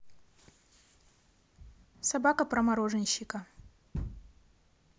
собака про мороженщика